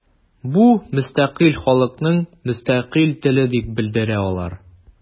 Бу – мөстәкыйль халыкның мөстәкыйль теле дип белдерә алар.